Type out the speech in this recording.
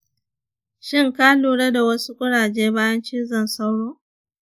shin ka lura da wasu kuraje bayan cizon sauro?